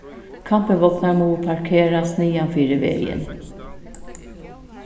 kampingvognar mugu parkerast niðan fyri vegin